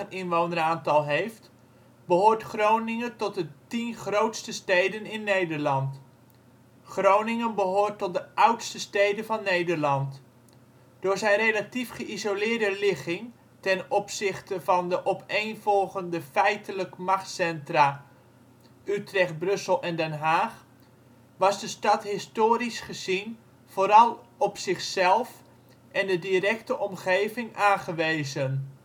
inwoneraantal heeft, behoort Groningen tot de tien grootste steden in Nederland. Groningen behoort tot de oudste steden van Nederland. Door zijn relatief geïsoleerde ligging, ten opzichte van de opeenvolgende feitelijke machtscentra (Utrecht, Brussel en Den Haag), was de stad historisch gezien vooral op zichzelf en de directe omgeving aangewezen